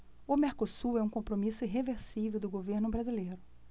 o mercosul é um compromisso irreversível do governo brasileiro